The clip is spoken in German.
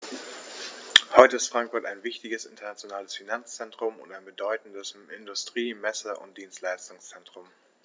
Heute ist Frankfurt ein wichtiges, internationales Finanzzentrum und ein bedeutendes Industrie-, Messe- und Dienstleistungszentrum.